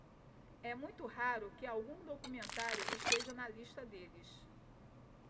é muito raro que algum documentário esteja na lista deles